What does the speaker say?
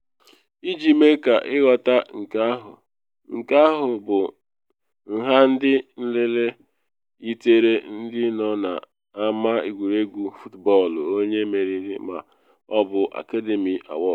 Iji mee ka ịghọta nke ahụ, nke ahụ bụ nha ndị nlele yitere ndị nọ n’ama egwuregwu futbọọlụ onye mmeri ma ọ bụ Academy Awards.